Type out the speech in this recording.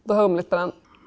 då høyrer me litt på den.